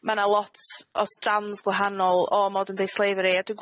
ma' 'na lot o strands gwahanol o modyrn dei sleifyri a dwi'n